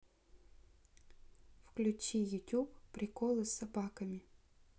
включи ютуб приколы с собаками